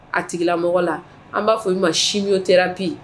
A tigila mɔgɔ la. An ba fɔ olu ma Sino thérapie